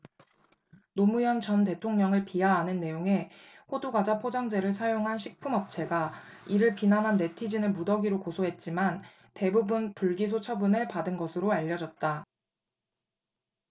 노무현 전 대통령을 비하하는 내용의 호두과자 포장재를 사용한 식품업체가 이를 비난한 네티즌을 무더기로 고소했지만 대부분 불기소 처분을 받은 것으로 알려졌다